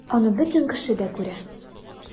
Аны бөтен кеше дә күрә...